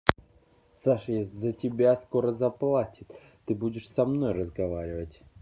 саша за тебя скоро заплатит ты будешь со мной разговаривать